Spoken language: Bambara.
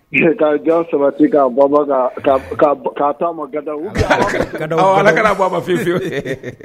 Ka jan sabati k'a banba k'a k'a k'a ta'a ma gadawu gadawu gadawu Ala kan'a bɔ ma fiyewu fiyewu